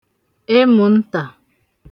emùntà